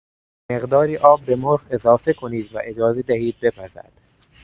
مقداری آب به مرغ اضافه کنید و اجازه دهید بپزد.